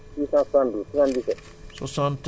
672 77